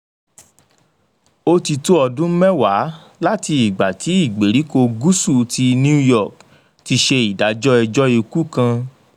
Ó ti tó ọdún mẹ́wàá láti ìgbàtí ìgbèríko Gúsù ti New York ti ṣe ìdájọ́ ẹjọ́ ikú kan.